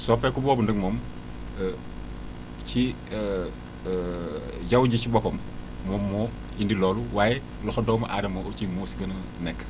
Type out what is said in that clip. soppeeku boobu nag moom ci jaww ji ci boppam moom moo indi loolu waaye loxo doomu aadama aussi moo si gën a nekk